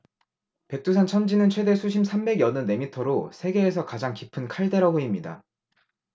백두산 천지는 최대 수심 삼백 여든 네 미터로 세계에서 가장 깊은 칼데라 호입니다